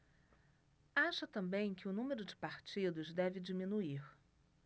acha também que o número de partidos deve diminuir